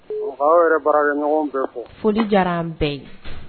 Yɛrɛ bara ɲɔgɔnw bɛ fɔ foli diyara an bɛɛ ye